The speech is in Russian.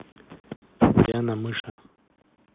диана мыша